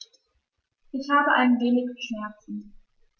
Ich habe ein wenig Schmerzen.